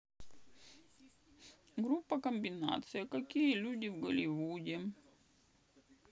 группа комбинация какие люди в голливуде